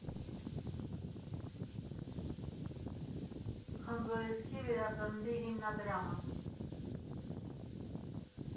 Խնձորեսկի վերածննդի հիմնադրամը։